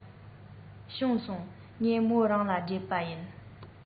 བྱུང སོང ངས མོ རང ལ སྤྲད པ ཡིན